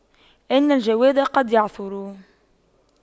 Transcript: إن الجواد قد يعثر